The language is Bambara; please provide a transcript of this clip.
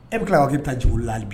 E bɛ tila k ka bɛ taa jugu laabi